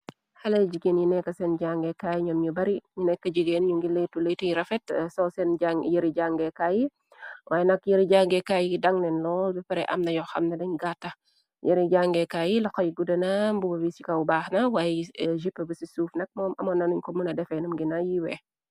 xele jigeen yi nekka seen jànge kaay ñoom ñu bari ñu nekk jigeen ñu ngir leytu leytuy rafet soo seen yëri jàngekaay yi waaye nak yëri jàngekaay yi daŋ neen lool bi pare am na yo xam na liñ gattax yëri jàngeekaay yi la xoy guddena buba bi ci kaw baax na waaye gip bu ci suuf nak moom amoon nanuñ ko muna defeenum gina yi wee